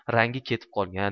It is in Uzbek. rangi ketib qolgan